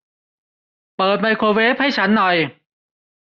เปิดไมโครเวฟให้ฉันหน่อย